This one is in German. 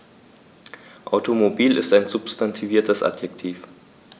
Automobil ist ein substantiviertes Adjektiv.